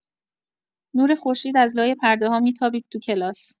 نور خورشید از لای پرده‌ها می‌تابید تو کلاس.